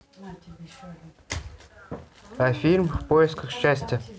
а фильм в поисках счастья